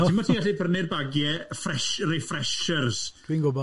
A ti'bod ti'n gallu prynu'r bagiau fresher- refreshers... Dwi'n gwbod.